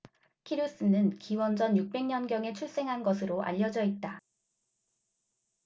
키루스는 기원전 육백 년경에 출생한 것으로 알려져 있다